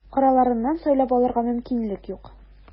Араларыннан сайлап алырга мөмкинлек юк.